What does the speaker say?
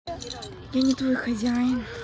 я не твой хозяин